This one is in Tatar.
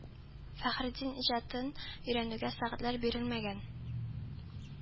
Фәхреддин иҗатын өйрәнүгә сәгатьләр бирелмәгән